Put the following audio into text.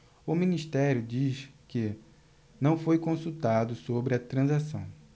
o ministério diz que não foi consultado sobre a transação